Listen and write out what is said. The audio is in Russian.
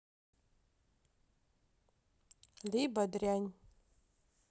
либо дрянь